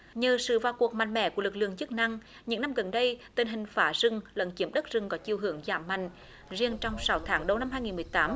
nhờ sự vào cuộc mạnh mẽ của lực lượng chức năng những năm gần đây tình hình phá rừng lấn chiếm đất rừng có chiều hướng giảm mạnh riêng trong sáu tháng đầu năm hai nghìn mười tám